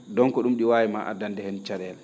donc ?uum ?i waawi maa addande heen ca?eele